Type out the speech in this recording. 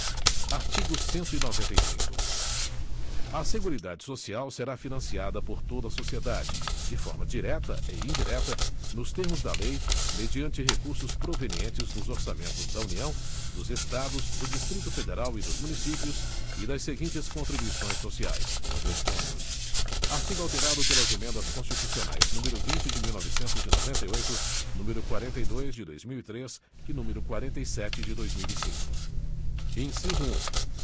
artigo cento e noventa e cinco a seguridade social será financiada por toda a sociedade de forma direta e indireta nos termos da lei mediante recursos provenientes dos orçamentos da união dos estados do distrito federal e dos municípios e das seguintes contribuições sociais dois pontos artigo alterado pelas emendas constitucionais número vinte de mil e novecentos e noventa e oito número quarenta e dois de dois mil e três e número quarenta e sete de dois mil e cinco inciso um